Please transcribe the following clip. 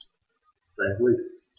Sei ruhig.